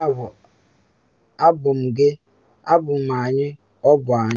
“Yabụ abụ m gị, abụ m anyị, ọ bụ anyị.